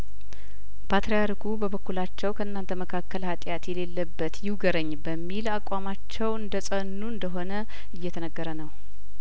ፓትሪያርኩ በበኩላቸው ከእናንተ መካከል ሀጢያት የሌለበት ይውገረኝ በሚል አቋማቸው እንደጸኑ እንደሆነ እየተነገረ ነው